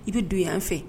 I be don yanfɛ